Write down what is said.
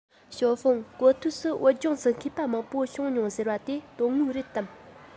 ཞའོ ཧྥུང གོ ཐོས སུ བོད ལྗོངས སུ མཁས པ མང པོ བྱུང མྱོང ཟེར བ དེ དོན དངོས རེད དམ